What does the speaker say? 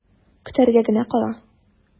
Көтәргә генә кала.